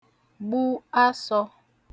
gbụ asọ̄